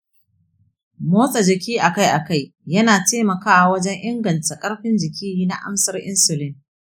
motsa jiki akai-akai yana taimakawa wajen inganta ƙarfin jiki na amsar insulin.